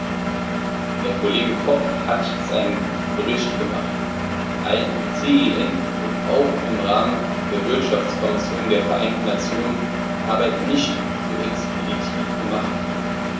Der Kollege Koch hat seinen guten Bericht gemacht, weil im CEN und auch im Rahmen der Wirtschaftskommission der Vereinten Nationen die Arbeit nicht so expeditiv gemacht wurde.